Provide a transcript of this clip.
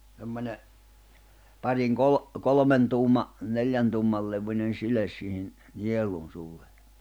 semmoinen parin - kolmen tuuman neljän tuuman levyinen sile siihen nielun suulle